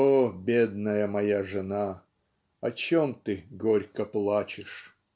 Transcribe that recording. О, бедная моя жена, О чем ты горько плачешь?.